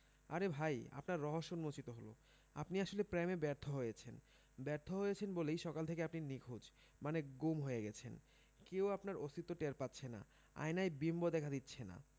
আরে ভাই আপনার রহস্য উম্মোচিত হলো আপনি আসলে প্রেমে ব্যর্থ হয়েছেন ব্যর্থ হয়েছেন বলেই সকাল থেকে আপনি নিখোঁজ মানে গুম হয়ে গেছেন কেউ আপনার অস্তিত্ব টের পাচ্ছে না আয়নায় বিম্ব দেখা দিচ্ছে না